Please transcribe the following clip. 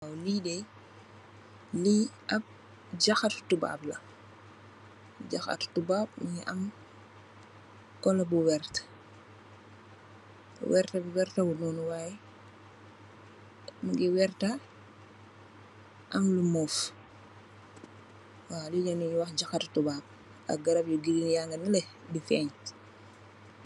Lideh jakhatu tubabla munge am kula bu werta, werta bi dafa khawa bula tamit munge amlu move